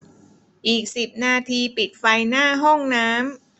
อีกสิบนาทีปิดไฟหน้าห้องน้ำ